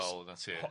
'Na ti.